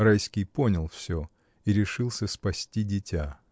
Райский понял всё и решился спасти дитя.